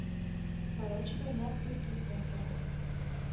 Сорочида нәкъ дүрт йөз тәңкә ул